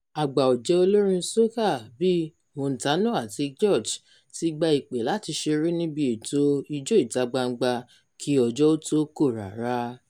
Àgbà ọ̀jẹ̀ olórin soca bíi Montano àti George ti gba ìpè láti ṣeré níbi ètò ijó ìta-gbangba kí ọjọ́ ó tó kò rárá.